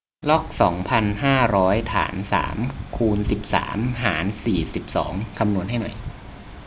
ล็อกสองพันห้าร้อยฐานสามคูณสิบสามหารสี่สิบสองคำนวณให้หน่อย